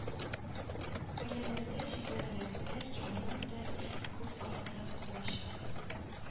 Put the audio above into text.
Өйрәнергә җитәрлек, бәлки, аннан да бик күп артып калачак